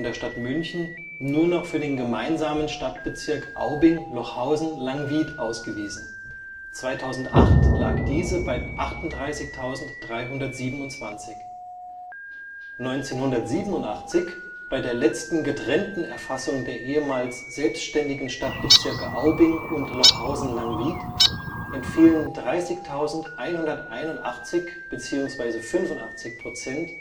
Stadt München nur noch für den gemeinsamen Stadtbezirk Aubing-Lochhausen-Langwied ausgewiesen, 2008 lag diese bei 38.327. 1987, bei der letzten getrennten Erfassung der ehemals selbstständigen Stadtbezirke Aubing und Lochhausen-Langwied, entfielen 30.181 (85 %